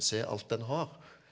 se alt den har!